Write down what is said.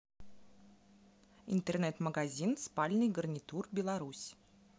интернет магазин спальный гарнитур беларусь